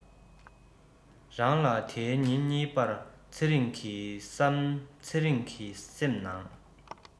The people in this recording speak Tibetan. རང ལ དེའི ཉིན གཉིས པར ཚེ རིང གི བསམ ཚེ རང གི སེམས ནང